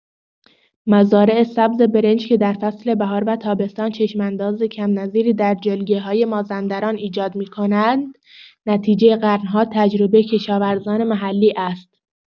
مزارع سبز برنج که در فصل بهار و تابستان چشم‌انداز کم‌نظیری در جلگه‌های مازندران ایجاد می‌کنند، نتیجه قرن‌ها تجربه کشاورزان محلی است.